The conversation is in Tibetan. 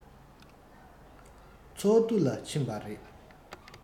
ཚོགས འདུལ ལ ཕྱིན པ རེད